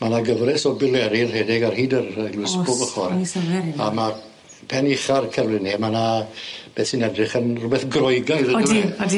Ma' 'na gyfres o bileri'n rhedeg ar hyd yr eglwys bob... O's. ...ochor. Oes am furi. A ma' pen ucha'r cerflunie ma' 'na be' sy'n edrych yn rwbeth Groegaidd yndi? Odi odi.